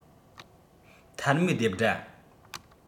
ཐལ མོའི རྡེབ སྒྲ